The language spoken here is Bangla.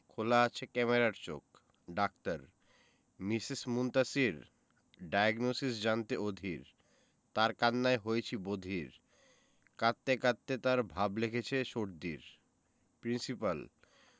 খোলা আছে ক্যামেরার চোখ ডাক্তার মিসেস মুনতাসীর ডায়োগনসিস জানতে অধীর তার কান্নায় হয়েছি বধির কাঁদতে কাঁদতে তার ভাব লেগেছে সর্দির প্রিন্সিপাল